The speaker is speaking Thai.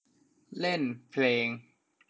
เล่นเพลง